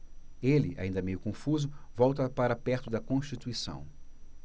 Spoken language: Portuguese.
ele ainda meio confuso volta para perto de constituição